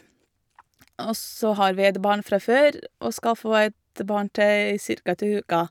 Og så har vi et barn fra før, og skal få et barn til cirka til uka.